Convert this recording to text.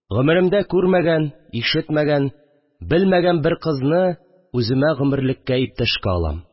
Гомеремдә күрмәгән, ишетмәгән, белмәгән бер кызны үземә гомерлеккә иптәшкә алам